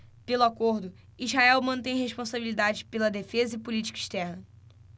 pelo acordo israel mantém responsabilidade pela defesa e política externa